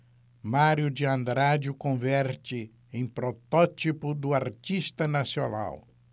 mário de andrade o converte em protótipo do artista nacional